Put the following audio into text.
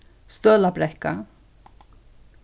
støðlabrekka